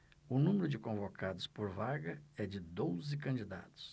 o número de convocados por vaga é de doze candidatos